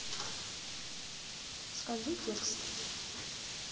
скажи текст